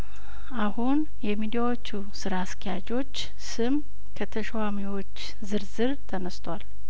አሁን የሚዲያዎቹ ስራ አስኪያጆች ስም ከተሿሚዎች ዝርዝር ተነስቷል